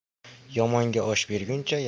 yomonga osh berguncha